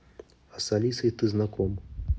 а с алисой ты знаком